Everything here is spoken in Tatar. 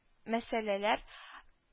Мәсьәләләр